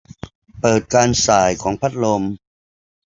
เปิดการส่ายของพัดลม